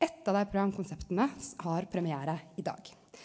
eitt av de programkonsepta har premiere i dag.